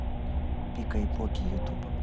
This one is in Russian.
пика и поки ютуб